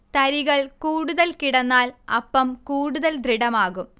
തരികൾ കൂടുതൽ കിടന്നാൽ അപ്പം കൂടുതൽ ദൃഡമാകും